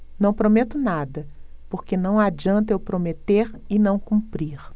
não prometo nada porque não adianta eu prometer e não cumprir